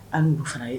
An dun fana ye